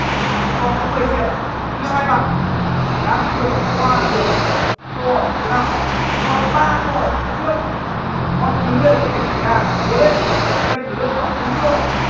chỉ còn có mười triệu nhưng hai bạn đã vượt qua được câu hỏi số năm còn ba câu hỏi ở phía trước mọi thứ đều có thể xảy ra cố lên chỉ cần lựa chọn đúng thôi